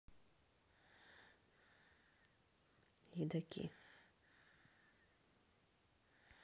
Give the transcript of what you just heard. едоки